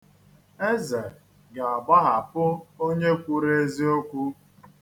Eze ga-agbahapụ onye kwuru eziokwu.